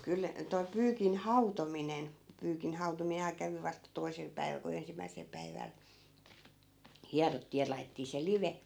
kyllä toi pyykin hautominen pyykin hautominenhan kävi vasta toisella päivällä kun ensimmäisellä päivällä hierottiin ja laitettiin se live